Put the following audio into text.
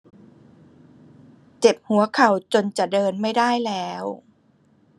เจ็บหัวเข่าจนจะเดินไม่ได้แล้ว